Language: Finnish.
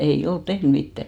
ei ole tehnyt mitään